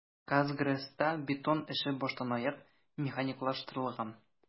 "казгрэс"та бетон эше баштанаяк механикалаштырылган.